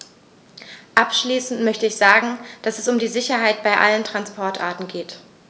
Abschließend möchte ich sagen, dass es um die Sicherheit bei allen Transportarten geht.